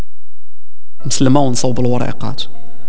سليمان صوت الورقات